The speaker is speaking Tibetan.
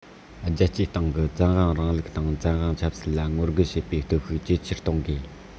རྒྱལ སྤྱིའི སྟེང གི བཙན དབང རིང ལུགས དང བཙན དབང ཆབ སྲིད ལ ངོ རྒོལ བྱེད པའི སྟོབས ཤུགས ཇེ ཆེར གཏོང དགོས